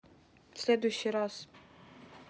в следующий раз